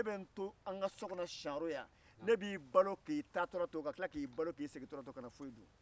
ne bɛ n to siyanro yan k'i taatɔ balo ka tila k'i segintɔ balo